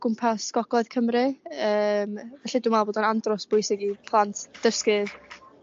Gogledd Cymru yym felly dwi'n meddwl bod o'n andros o bwysig i plant dysgu